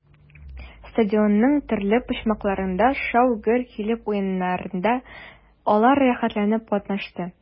Стадионның төрле почмакларында шау-гөр килеп уеннарда алар рәхәтләнеп катнашты.